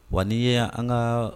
Wa ye an ka